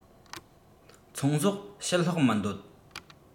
ཚོང ཟོག ཕྱིར སློག མི འདོད